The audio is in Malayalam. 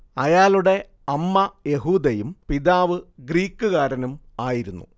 അയാളുടെ അമ്മ യഹൂദയും പിതാവ് ഗ്രീക്കുകാരനും ആയിരുന്നു